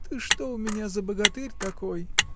Ты что у меня за богатырь такой!